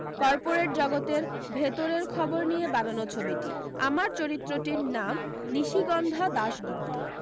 corporate জগতের ভেতরের খবর নিয়ে বানানো ছবিটি আমার চরিত্রটির নাম নিশিগন্ধা দাশগুপ্ত